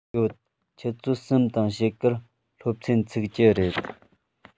ཡོད ཆུ ཚོད གསུམ དང ཕྱེད ཀར སློབ ཚན ཚུགས ཀྱི རེད